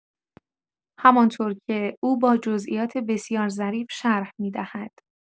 همان‌طور که او با جزئیات بسیار ظریف شرح می‌دهد.